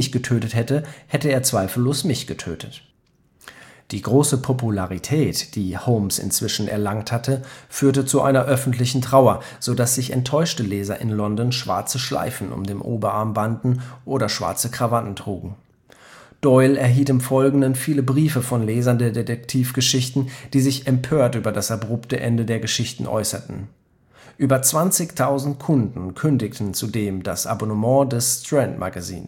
getötet hätte, hätte er zweifellos mich getötet. “) Die große Popularität, die Holmes inzwischen erlangt hatte, führte zu einer öffentlichen Trauer, sodass sich enttäuschte Leser in London schwarze Schleifen um den Oberarm banden oder schwarze Krawatten trugen. Doyle erhielt im Folgenden viele Briefe von Lesern der Detektivgeschichten, die sich empört über das abrupte Ende der Geschichten äußerten, über 20.000 Kunden kündigten zudem das Abonnement des Strand-Magazins